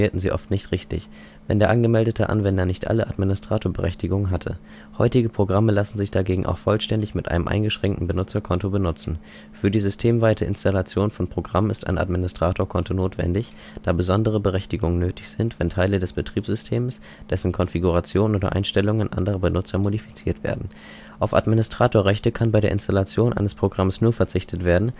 sie oft nicht richtig, wenn der angemeldete Anwender nicht alle Administrator-Berechtigungen hatte. Heutige Programme lassen sich dagegen auch vollständig mit einem „ eingeschränkten Benutzerkonto “benutzen. Für die systemweite Installation von Programmen ist ein Administratorkonto notwendig, da besondere Berechtigungen nötig sind, wenn Teile des Betriebssystems, dessen Konfiguration oder Einstellungen anderer Benutzer modifiziert werden. Auf Administratorenrechte kann bei der Installation eines Programms nur verzichtet werden